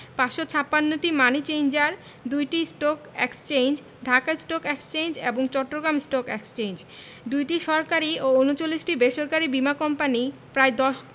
৫৫৬টি money changer ২টি stock exchange Dhaka stock exchange এবং চট্টগ্রাম স্টক এক্সচেঞ্জ ২টি সরকারি ও ৩৯টি বেসরকারি বীমা কোম্পানি প্রায় ১০